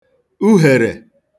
uhèrè